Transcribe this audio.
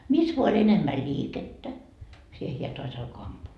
missä vain oli enemmän liikettä siihen hän taas alkoi ampua